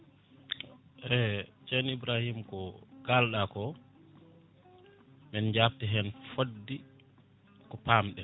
e ceerno Ibrahima ko kalɗa ko men jabto hen fodde ko pamɗen